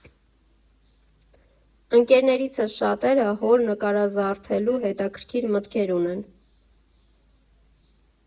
«Ընկերներիցս շատերը հոլ նկարազարդելու հետաքրքիր մտքեր ունեն։